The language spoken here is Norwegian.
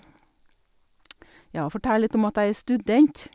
Ja, fortelle litt om at jeg er student.